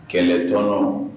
Kɛlɛ tɔnɔ